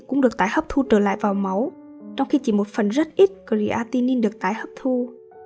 cũng được tái hấp thu trở lại vào máu trong khi c hỉ một phần rất ít creatinin được tái hấp thu